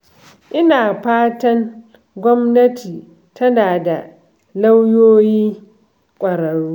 Ina fatan gwamnati tana da lauyoyi ƙwararru.